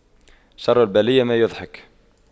شر البلية ما يضحك